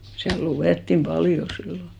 siellä luettiin paljon silloin